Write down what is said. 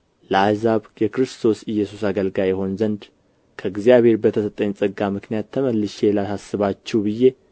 ለአሕዛብ የክርስቶስ ኢየሱስ አገልጋይ እሆን ዘንድ ከእግዚአብሔር በተሰጠኝ ጸጋ ምክንያት ተመልሼ ላሳስባችሁ ብዬ